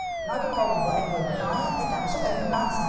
nói cái câu mà vợ anh vừa mới nói á cái cảm xúc em lúc rồi sao